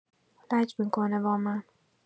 لج می‌کنه با من!